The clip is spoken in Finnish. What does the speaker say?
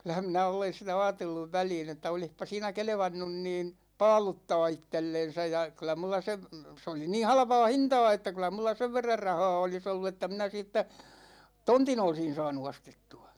kyllähän minä olen sitä ajatellut väliin että olisipa siinä kelvannut niin paaluttaa itsellensä ja kyllä minulla sen se oli niin halpaa hintaa että kyllä minulla sen verran rahaa olisi ollut että minä siitä tontin olisin saanut ostettua